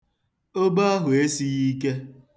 Obe ahụ esighị ike.